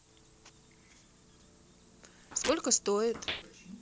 сколько стоит